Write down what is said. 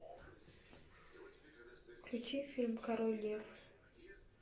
включи фильм король лев